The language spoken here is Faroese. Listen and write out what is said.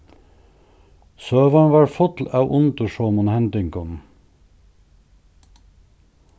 søgan var full av undursomum hendingum